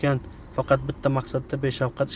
bitta maqsadda beshafqat ishlatilgan